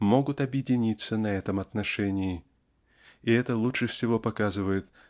могут объединиться на таком отношении и это лучше всего показывает